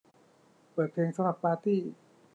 เปิดเพลงสำหรับปาร์ตี้